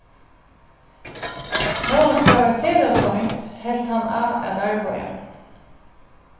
hóast tað var sera seint helt hann á at arbeiða